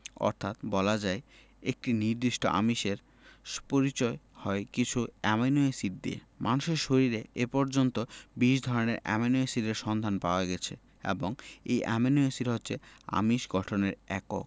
অর্থাৎ বলা যায় একটি নির্দিষ্ট আমিষের পরিচয় হয় কিছু অ্যামাইনো এসিড দিয়ে মানুষের শরীরে এ পর্যন্ত ২০ ধরনের অ্যামাইনো এসিডের সন্ধান পাওয়া গেছে এবং এই অ্যামাইনো এসিড হচ্ছে আমিষ গঠনের একক